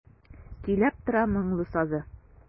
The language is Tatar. Көйләп тора моңлы сазы.